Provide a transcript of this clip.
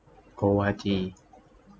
โกวาจี